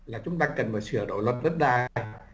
là chúng ta cần mở sửa đổi luật đất đai